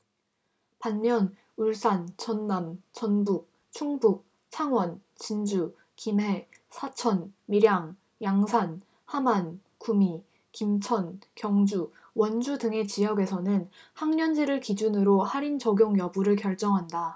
반면 울산 전남 전북 충북 창원 진주 김해 사천 밀양 양산 함안 구미 김천 경주 원주 등의 지역에서는 학년제를 기준으로 할인 적용 여부를 결정한다